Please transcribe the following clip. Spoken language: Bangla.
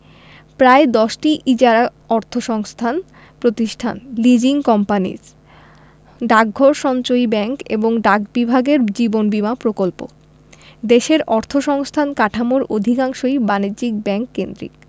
প্রায় ১০টি ইজারা অর্থসংস্থান প্রতিষ্ঠান লিজিং কোম্পানিস ডাকঘর সঞ্চয়ী ব্যাংক এবং ডাক বিভাগের জীবন বীমা প্রকল্প দেশের অর্থসংস্থান কাঠামোর অধিকাংশই বাণিজ্যিক ব্যাংক কেন্দ্রিক